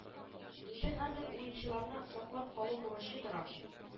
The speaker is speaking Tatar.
Инде хәзер уенчыларны саклап калу бурычы тора